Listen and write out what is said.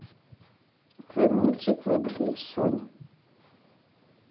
вы мультик выбрали сонь